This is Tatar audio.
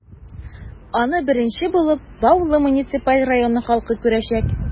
Аны беренче булып, Баулы муниципаль районы халкы күрәчәк.